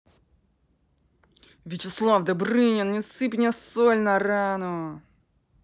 вячеслав добрынин не сыпь мне соль на рану